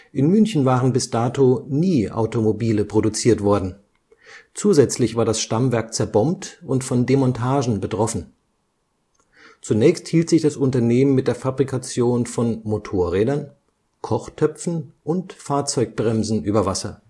In München waren bis dato nie Automobile produziert worden, zusätzlich war das Stammwerk zerbombt und von Demontagen betroffen. Zunächst hielt sich das Unternehmen mit der Fabrikation von Motorrädern, Kochtöpfen und Fahrzeugbremsen über Wasser